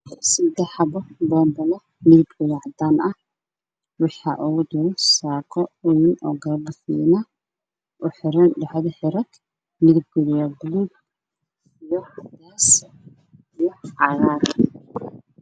Saddex xabo bonbalo midabkoodu yahay cadaan